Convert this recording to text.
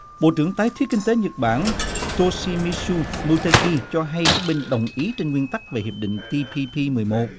bộ trưởng tái thiết kinh tế nhật bản tô si mi su mu tê ki cho hay các bên đồng ý trên nguyên tắc về hiệp định ti pi pi mười một